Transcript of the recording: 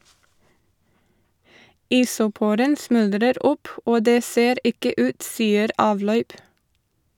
Isoporen smuldrer opp, og det ser ikke ut, sier Avløyp.